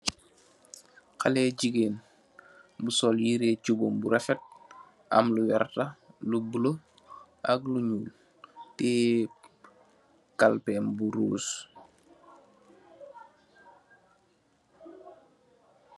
Xaley jigeen, mu sol mbubum cuubam bu rafet. Am lu werta, lu bulo ak lu ñuul. Teye kalpem bu ruus.